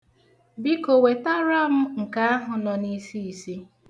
Biko, wetara m nke ahụ nọ n'isiisi.